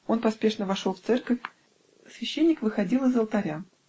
Он поспешно вошел в церковь: священник выходил из алтаря